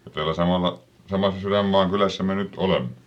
ja täällä samalla samassa Sydänmaan kylässä me nyt olemme